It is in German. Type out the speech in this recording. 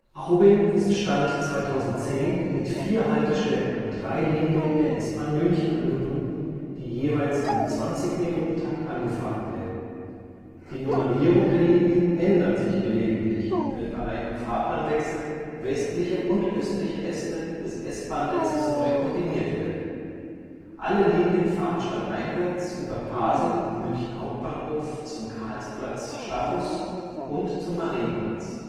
Aubing ist Stand 2010 mit vier Haltestellen an drei Linien der S-Bahn München angebunden, die jeweils im 20-Minuten-Takt angefahren werden. Die Nummerierung der Linien ändert sich gelegentlich, wenn bei einem Fahrplanwechsel westliche und östliche Äste des S-Bahn-Netzes neu kombiniert werden. Alle Linien fahren stadteinwärts über Pasing und München Hauptbahnhof zum Karlsplatz (Stachus) und zum Marienplatz